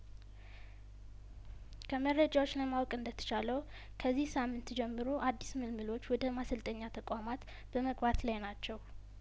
ከመረጃዎች ለማወቅ እንደተቻለው ከዚህ ሳምንት ጀምሮ አዲስ ምልምሎች ወደ ማሰልጠኛ ተቋማት በመግባት ላይ ናቸው